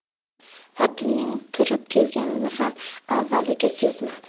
xotinining kirib kelganini ham avvaliga sezmadi